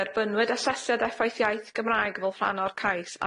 Derbynwyd asesiad effaith iaith Gymraeg fel rhan o'r cais